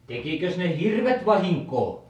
tekikös ne hirvet vahinkoa